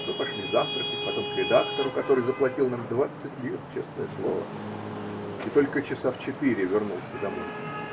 Мы пошли завтракать, потом к редактору, который заплатил нам двадцать лир (честное слово), и только часа в четыре вернулся домой.